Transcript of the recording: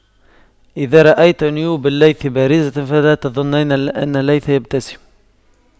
إذا رأيت نيوب الليث بارزة فلا تظنن أن الليث يبتسم